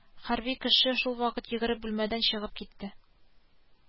Хәрби кеше шул вакыт йөгереп бүлмәдән чыгып китте